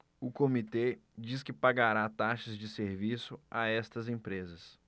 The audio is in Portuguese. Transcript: o comitê diz que pagará taxas de serviço a estas empresas